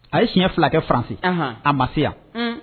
A ye siɲɛ filakɛ fasi a ma se yan